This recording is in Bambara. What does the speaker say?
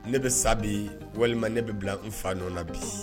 Ne bɛ sa bi walima ne bɛ bila n fa nɔn na bi.